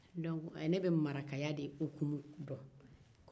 donc ne bɛ marakaya de dɔn